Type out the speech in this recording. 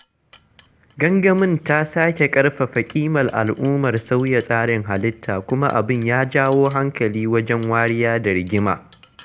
Gangamin ta sake ƙarfafa ƙimar al'ummar sauya tsarin halitta; kuma abin ya jawo hankali wajen wariya da rigima.